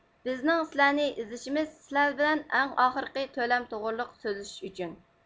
بىزنىڭ سىلەرنى ئىزدىشىمىز سىلەر بىلەن ئەڭ ئاخىرقى تۆلەم توغرۇلۇق سۆزلىشىش ئۈچۈن